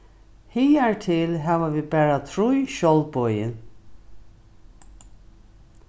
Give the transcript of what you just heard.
higartil hava vit bara trý sjálvboðin